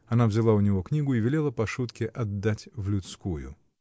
Она взяла у него книгу и велела Пашутке отдать в людскую.